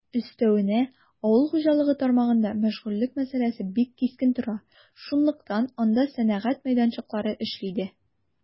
Өстәвенә, авыл хуҗалыгы тармагында мәшгульлек мәсьәләсе бик кискен тора, шунлыктан анда сәнәгать мәйданчыклары эшли дә.